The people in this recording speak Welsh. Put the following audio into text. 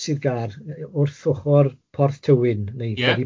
Sir Gâr wrth ochr Porth Tywyn neu Tredu Point. Ia.